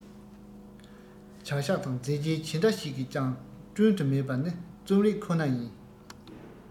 བྱ བཞག དང མཛད རྗེས ཇི འདྲ ཞིག གིས ཀྱང བསྒྲུན དུ མེད པ ནི རྩོམ རིག ཁོ ན ཡིན